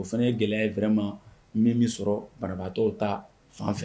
O fana ye gɛlɛya ye wɛrɛma min min sɔrɔ banabaatɔ ta fan fɛ